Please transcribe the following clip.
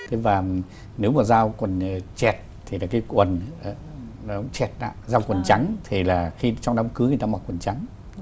và nếu một dao quần chẹt thì là cái quần cũng chẹt dao quần trắng thì là khi trong đám cưới đã mặc quần trắng